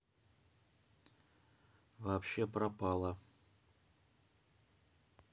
вообще пропала